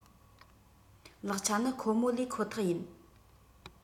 ལེགས ཆ ནི ཁོ མོ ལས ཁོ ཐག ཡིན